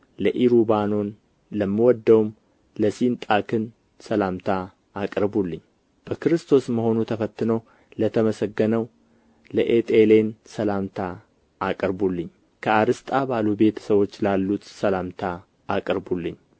ለኢሩባኖን ለምወደውም ለስንጣክን ሰላምታ አቅርቡልኝ በክርስቶስ መሆኑ ተፈትኖ ለተመሰገነው ለኤጤሌን ሰላምታ አቅርቡልኝ ከአርስጣባሉ ቤተ ሰዎች ላሉት ሰላምታ አቅርቡልኝ